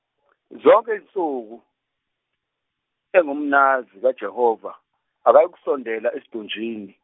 zonke izinsuku, engumnazi- kaJehova akayikusondela esidunjini.